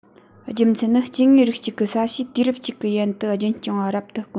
རྒྱུ མཚན ནི སྐྱེ དངོས རིགས གཅིག གི ས གཤིས དུས རབས གཅིག གི ཡན དུ རྒྱུན བརྐྱངས པ རབ ཏུ དཀོན